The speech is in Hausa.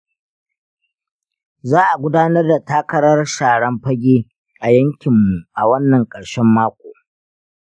za a gudanar da takarar sharan-fage a yankinmu a wannan ƙarshen mako.